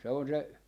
se on se